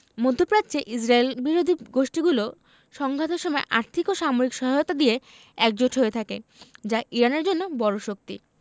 মধ্যপ্রাচ্যে ইসরায়েলবিরোধী গোষ্ঠীগুলো সংঘাতের সময় আর্থিক ও সামরিক সহায়তা দিয়ে একজোট হয়ে থাকে যা ইরানের জন্য বড় শক্তি